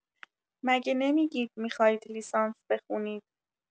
مگه نمی‌گید میخواید لیسانس بخونید؟